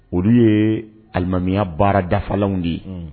Olu yelimamiya baara dafalaww de ye